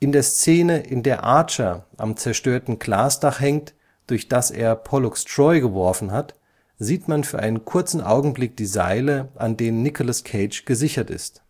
der Szene, in der Archer am zerstörten Glasdach hängt, durch das er Pollux Troy geworfen hat, sieht man für einen kurzen Augenblick die Seile, an denen Nicolas Cage gesichert ist